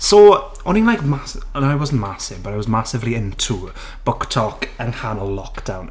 So, o'n i'n like mas- well no i wasn't massive but I was massively into BookTok yn nghanol lockdown.